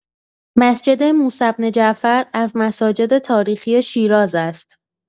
مسجد موسی بن جعفر از مساجد تاریخی شیراز است.